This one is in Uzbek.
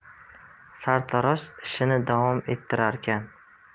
sartarosh ishini davom ettirarkan